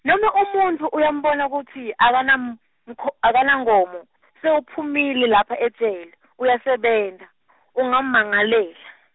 nome umuntfu uyambona kutsi akanam- unko- akanankhomo sewuphumile lapha ejele, uyasebenta, ungammangalela.